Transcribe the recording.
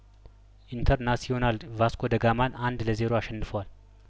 ኢንተርና ሲዮናል ቫስኮ ደጋማን አንድ ለዜሮ አሸንፏል